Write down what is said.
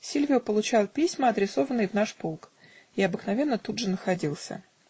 Сильвио получал письма, адресованные в наш полк, и обыкновенно тут же находился.